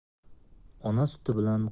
ona suti bilan